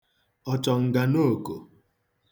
ọ̀chọ̀ǹgànoòkò